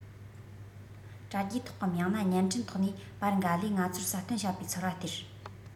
དྲ རྒྱའི ཐོག གམ ཡང ན བརྙན འཕྲིན ཐོག ནས པར འགའ ལས ང ཚོར གསལ སྟོན བྱ པའི ཚོར བ སྟེར